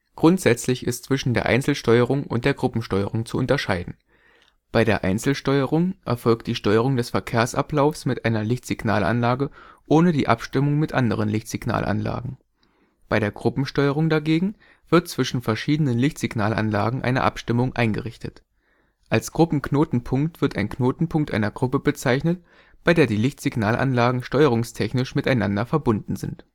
Grundsätzlich ist zwischen der Einzelsteuerung und der Gruppensteuerung zu unterscheiden. Bei der Einzelsteuerung erfolgt die Steuerung des Verkehrsablaufs mit einer Lichtsignalanlage ohne die Abstimmung mit anderen Lichtsignalanlagen. Bei der Gruppensteuerung dagegen wird zwischen verschiedenen Lichtsignalanlagen eine Abstimmung eingerichtet. Als Gruppenknotenpunkt wird ein Knotenpunkt einer Gruppe bezeichnet, bei der die Lichtsignalanlagen steuerungstechnisch miteinander verbunden sind